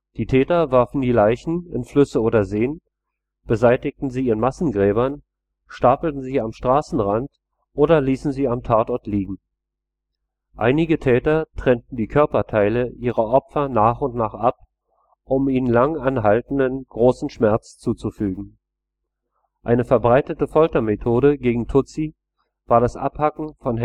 Die Täter warfen die Leichen in Flüsse oder Seen, beseitigten sie in Massengräbern, stapelten sie am Straßenrand oder ließen sie am Tatort liegen. Einige Täter trennten die Körperteile ihrer Opfer nach und nach ab, um ihnen lang anhaltenden und großen Schmerz zuzufügen. Eine verbreitete Foltermethode gegen Tutsi war das Abhacken von